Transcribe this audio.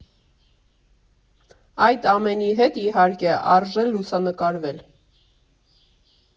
Այդ ամենի հետ, իհարկե, արժե լուսանկարվել։